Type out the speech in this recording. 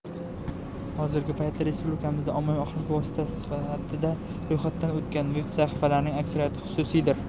hozirgi paytda respublikamizda ommaviy axborot vositasi sifatida ro'yxatdan o'tgan veb sahifalarning aksariyati xususiydir